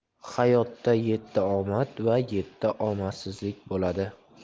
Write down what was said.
hayotda yetti omad va yetti omadsizlik bo'ladi